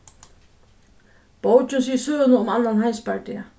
bókin sigur søguna um annan heimsbardaga